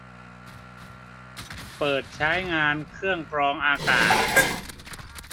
เปิดใช้งานเครื่องกรองอากาศ